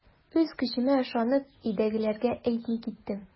Үз көчемә ышанып, өйдәгеләргә әйтми киттем.